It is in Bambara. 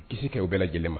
Kisi kɛ u bɛɛ lajɛlen ma